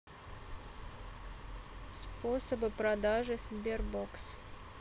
способы продажи sberbox